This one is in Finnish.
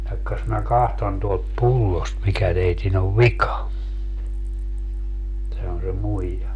jahka minä katson tuolta pullosta mikä teidän on vika sanoi se muija